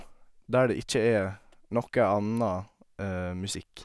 Der det ikke er noe anna musikk.